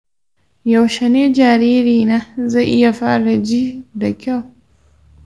yaushe ne jaririna zai iya fara ji da kyau?